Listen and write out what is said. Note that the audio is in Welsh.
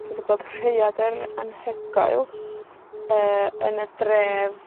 Dwi 'di gweld rhaeadyr anhygoel, yy yn y dref